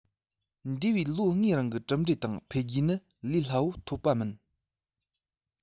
འདས པའི ལོ ལྔའི རིང གི གྲུབ འབྲས དང འཕེལ རྒྱས ནི ལས སླ པོར ཐོབ པ མིན